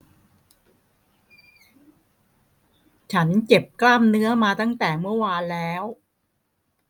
ฉันเจ็บกล้ามเนื้อมาตั้งแต่เมื่อวานแล้ว